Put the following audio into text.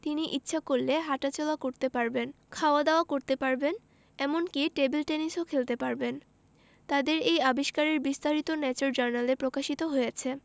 তিনি ইচ্ছা করলে হাটাচলা করতে পারবেন খাওয়া দাওয়া করতে পারবেন এমনকি টেবিল টেনিসও খেলতে পারবেন তাদের এই আবিষ্কারের বিস্তারিত ন্যাচার জার্নালে প্রকাশিত হয়েছে